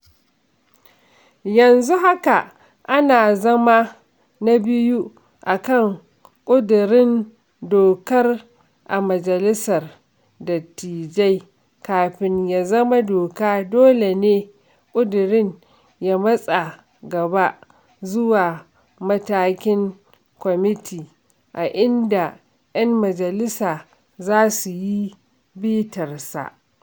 Yanzu haka ana zama na biyu a kan ƙudurin dokar a Majalisar Dattijai. Kafin ya zama doka, dole ne ƙudurin ya matsa gaba zuwa matakin kwamiti a inda 'yan majalisa za su yi bitarsa.